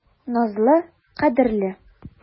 Назлы, кадерле.